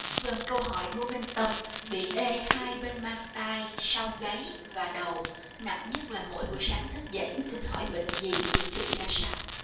vâng câu hỏi của minh tâm bị ê hai bên mang tai sau gáy và đầu nặng nhất là mỗi buổi sáng thức dậy cho hỏi bệnh gì điều trị ra sao